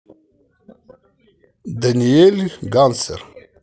даниэль гансер